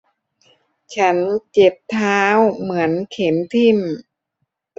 ฉันเจ็บเท้าเหมือนเข็มทิ่ม